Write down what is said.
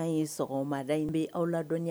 K'a ye sɔgɔmada in bɛ aw ladɔn